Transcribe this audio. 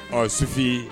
Ɔ sisi